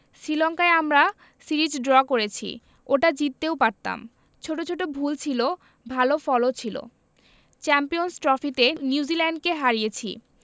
শ্রীলঙ্কায় আমরা series draw করেছি ওটা জিততেও পারতাম ছোট ছোট ভুল ছিল ভালো ফলও ছিল চ্যাম্পিয়নস ট্রফিতে নিউজিল্যান্ডকে হারিয়েছি